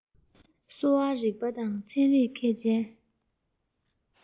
གསོ བ རིག པ དང ཚན རིག མཁས ཅན